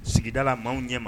Sigidala maaw ɲɛ